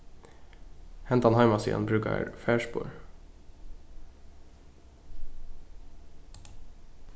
hendan heimasíðan brúkar farspor